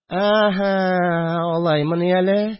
– әһә-ә-ә алаймыни әле